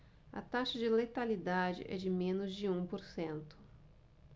a taxa de letalidade é de menos de um por cento